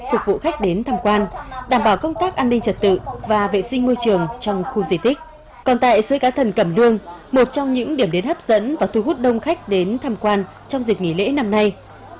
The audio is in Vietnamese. phục vụ khách đến tham quan đảm bảo công tác an ninh trật tự và vệ sinh môi trường trong khu di tích còn tại suối cá thần cẩm lương một trong những điểm đến hấp dẫn và thu hút đông khách đến tham quan trong dịp nghỉ lễ năm nay